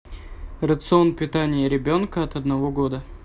рацион питания ребенка от одного года